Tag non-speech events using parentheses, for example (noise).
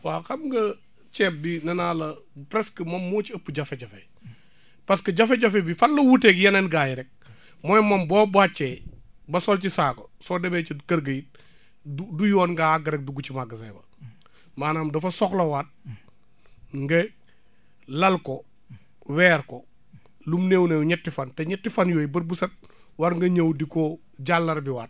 waa xam nga ceeb bi nee naa la presque moom moo ci ëpp jafe-jafe (breath) parce que jafe-jafe bi fan la wuuteeg yeneen gars yi rek (breath) mooy moom boo bàccee ba sol ci saako soo demee ca kër ga it du du yoon nga àgg rek dugg ci magasin ba (breath) maanaam dafa soxlawaat nga lal ko weer ko lum néew-néew ñetti fan te ñetti fan yooyu bët bu set war nga ñëw di ko jàllarbiwaat